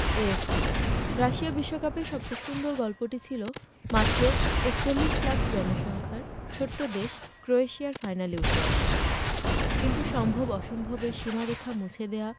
AFP Russia বিশ্বকাপে সবচেয়ে সুন্দর গল্পটি ছিল মাত্র ৪১ লাখ জনসংখ্যার ছোট্ট দেশ ক্রোয়েশিয়ার ফাইনালে উঠে আসা কিন্তু সম্ভব অসম্ভবের সীমারেখা মুছে দেয়া